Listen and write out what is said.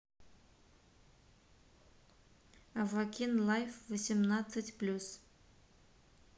авакин лайф восемнадцать плюс